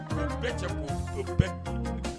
Ku bɛ cɛ olu bɛ